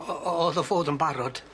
O- o'dd o fod yn barod.